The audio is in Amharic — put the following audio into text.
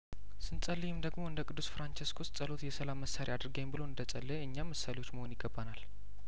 ስንጸልይም ደግሞ እንደ ቅዱስ ፍራንቸስኮስ ጸሎት የሰላም መሳሪያ አድርገኝ ብሎ እንደጸለ የእኛም ምሳሌዎች መሆን ይገባናል